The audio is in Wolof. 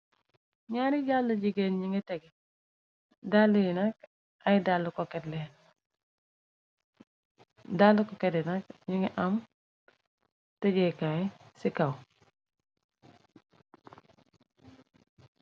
ñaari jàll jigéen ñu nga tege nak dall ko ketinak ñu nga am tëjéekaay ci kaw